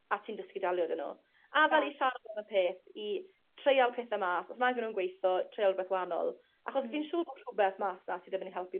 A ti'n dysgu delio 'dy n'w. A fel i siarad am y peth i treial pethe mas os os nag 'yn nw'n gweitho treial rwbeth wanol. Achos fi'n siŵr bo' rhwbeth mas 'na sydd yn myn' i helpu